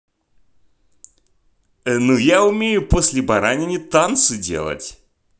ну я умею после баранины танцы делать